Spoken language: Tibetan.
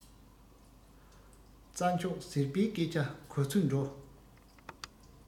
རྩ མཆོག ཟིལ པས སྐད ཆ གོ ཚོད འགྲོ